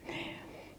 niin